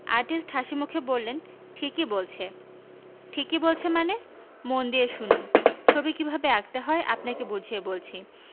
artist হাসিমুখে বললেন ঠিকই বলছে ঠিকই বলছে মানে মন দিয়ে শুনুন ছবি কি ভাবে আঁকতে হয় আপনাকে বুঝিয়ে বলছি